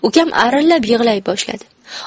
ukam arillab yig'lay boshladi